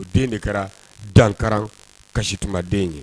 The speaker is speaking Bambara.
O den de kɛra dankaran kasisitumaden ye